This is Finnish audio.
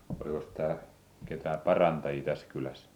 olikos täällä ketään parantajia tässä kylässä